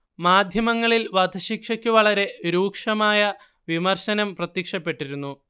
മാധ്യമങ്ങളിൽ വധശിക്ഷയ്ക്ക് വളരെ രൂക്ഷമായ വിമർശനം പ്രത്യക്ഷപ്പെട്ടിരുന്നു